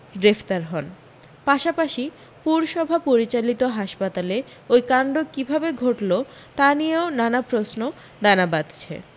গ্রেফতার হন পাশাপাশি পুরসভা পরিচালিত হাসপাতালে ওই কাণড কী ভাবে ঘটল তা নিয়েও নানা প্রশ্ন দানা বাঁধছে